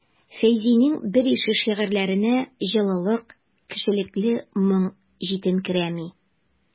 Фәйзинең берише шигырьләренә җылылык, кешелекле моң җитенкерәми.